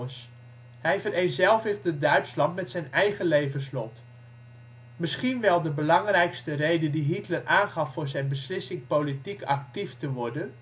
vereenzelvigde Duitsland met zijn eigen levenslot. Misschien wel de belangrijkste reden die Hitler aangaf voor zijn beslissing politiek actief te worden